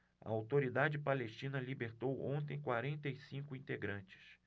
a autoridade palestina libertou ontem quarenta e cinco integrantes